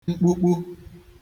mkpukpu